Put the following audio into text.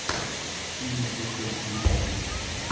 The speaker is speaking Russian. ты меня просто рассмешила